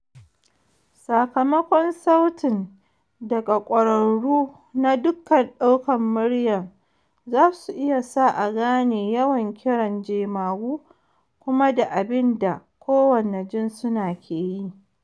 Sakamakon sautin daga kwararru na dukkan daukan muryan za su iya sa a gane yawan kiran jemagu kuma da abin da kowane jinsuna ke yi.